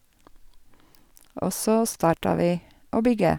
Og så starta vi å bygge.